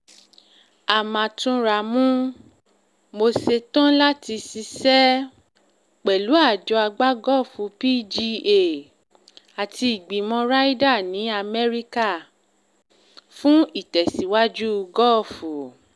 A máa tún ra mú. Mo ṣe tán láti ṣiṣẹ́ pẹ̀lú àjọ agbágọ́ọ̀fù PGA àti ìgbìmọ̀ Ryder ní Amẹ́ríkà fún ìtẹ̀síwájú gọ́ọ̀fù.